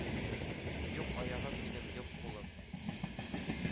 Юк аягым минем, юк кулым.